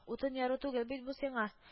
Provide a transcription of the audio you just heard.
Утын яру түгел бит бу сиңа